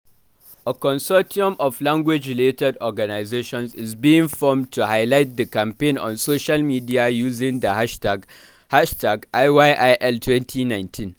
A consortium of language-related organizations is being formed to highlight the campaign on social media using the hashtag #IYIL2019.